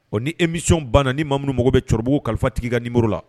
Ɔ ni emiyw banna ni ma minnuum mago bɛ cɛkɔrɔbabuguw kalifa tigi ka nimuru la